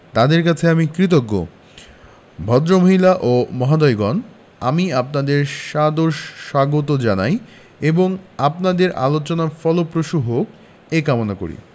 তাঁদের কাছে আমি কৃতজ্ঞ ভদ্রমহিলা ও মহোদয়গণ আমি আপনাদের সাদর স্বাগত জানাই এবং আপনাদের আলোচনা ফলপ্রসূ হোক এ কামনা করি